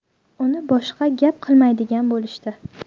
uni boshqa gap qilmaydigan bo'lishdi